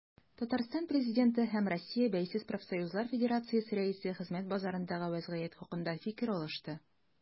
Татарстан Президенты һәм Россия Бәйсез профсоюзлар федерациясе рәисе хезмәт базарындагы вәзгыять хакында фикер алышты.